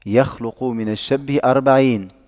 يخلق من الشبه أربعين